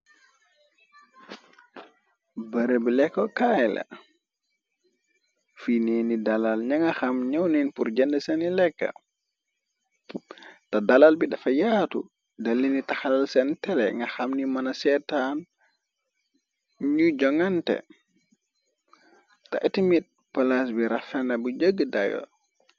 Barëb lekko kaayla fineeni dalal ña nga xam ñëw neen pur jënd sani lekka te dalal bi dafa yaatu dalini taxal seen tele nga xam ni mëna seetaan ñu joŋante te itimit polaas bi raf fena bu jëgg dayo.